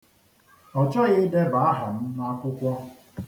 Ọ chọghị ideba aha m n'akwụkwọ.